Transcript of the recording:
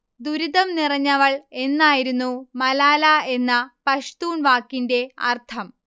'ദുരിതം നിറഞ്ഞവൾ' എന്നായിരുന്നു മലാല എന്ന പഷ്തൂൺ വാക്കിന്റെ അർഥം